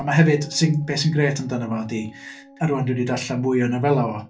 A ma' hefyd sy... be sy'n gret amdano fo ydy ... A rŵan dwi 'di darllen mwy o'i nofelau o.